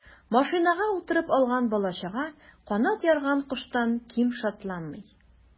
Машинага утырып алган бала-чага канат ярган коштан ким шатланмый.